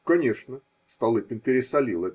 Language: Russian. Конечно, А. Столыпин пересолил